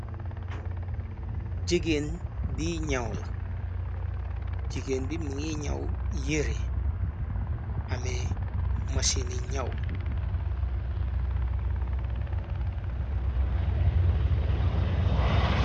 Jegéen bi ñaw la jigéen bi mingi ñaw yëre amée machini ñaw.